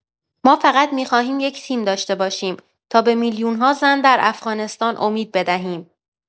ما فقط می‌خواهیم یک تیم داشته باشیم تا به میلیون‌ها زن در افغانستان امید بدهیم.